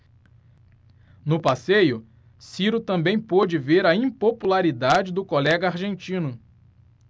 no passeio ciro também pôde ver a impopularidade do colega argentino